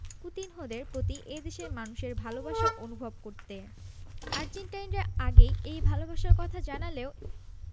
কুতিনহোদের প্রতি এ দেশের মানুষের ভালোবাসা অনুভব করতে আর্জেন্টাইনরা আগেই এই ভালোবাসার কথা জানালেও